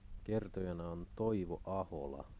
kertojana on Toivo Ahola